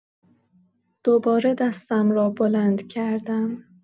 دوباره دستم را بلند کردم.